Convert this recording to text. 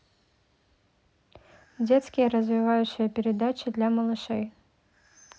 детские развивающие передачи для малышей